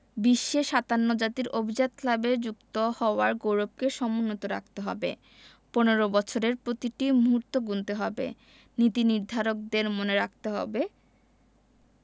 বিশ্বের ৫৭ জাতির অভিজাত ক্লাবে যুক্ত হওয়ার গৌরবকে সমুন্নত রাখতে হবে ১৫ বছরের প্রতিটি মুহূর্ত গুনতে হবে নীতিনির্ধারকদের মনে রাখতে হবে